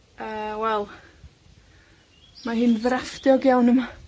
A, wel, mae hi'n ddrafftiog iawn yma.